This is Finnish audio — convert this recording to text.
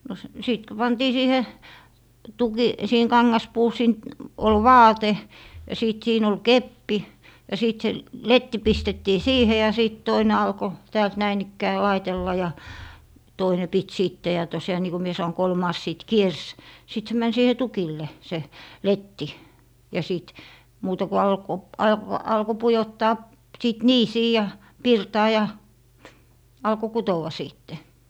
no - sitten kun pantiin siihen - siihen kangaspuun - oli vaate ja sitten siinä oli keppi ja sitten se letti pistettiin siihen ja sitten toinen alkoi täältä näin ikään laitella ja toinen piti sitten ja tosiaan niin kuin minä sanoin kolmas sitten kiersi sitten se meni siihen tukille se letti ja sitten muuta kuin alkoi - alkoi pujottaa sitten niisiin ja pirtaan ja alkoi kutoa sitten